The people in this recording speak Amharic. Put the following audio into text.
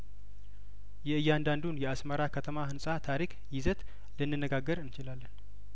የእያንዳንዱን የአስመራ ከተማ ህንጻ ታሪክ ይዘት ልን ነጋገር እንችላለን